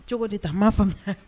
Cogo di taa ma faamuya